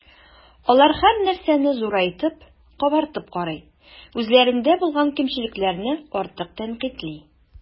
Алар һәрнәрсәне зурайтып, “кабартып” карый, үзләрендә булган кимчелекләрне артык тәнкыйтьли.